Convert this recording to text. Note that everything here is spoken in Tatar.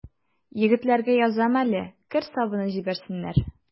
Егетләргә язам әле: кер сабыны җибәрсеннәр.